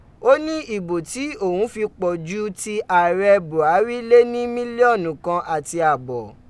O ni ibo ti oun fi pọ ju ti aarẹ Buhari le ni miliọnu kan ati aabọ.